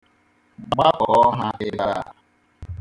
Gbakoo ha ebe a.